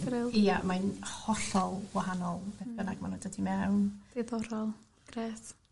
Brill. ...ia mae'n hollol wahanol beth bynnag ma' nw'n dod i mewn. Diddorol. Grêt.